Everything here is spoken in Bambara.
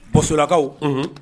Bosolakaw, unhun.